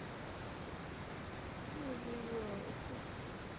не обижайся